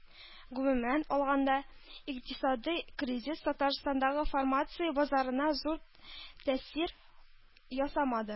Гомумән алганда, икътисадый кризис Татарстандагы фармация базарына зур тәэсир ясамады